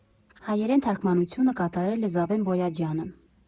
Հայերեն թարգմանությունը կատարել է Զավեն Բոյաջյանը։